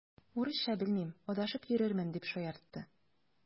Урысча белмим, адашып йөрермен, дип шаяртты.